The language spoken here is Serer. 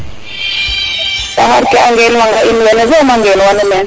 taxar ke a ngoon wanga in wene fopa ngeen wanu